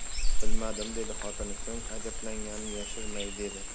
bilmadim dedi xotini so'ng ajablanganini yashirmay dedi